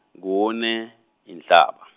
kune Inhlaba.